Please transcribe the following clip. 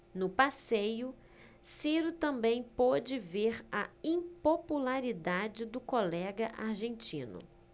no passeio ciro também pôde ver a impopularidade do colega argentino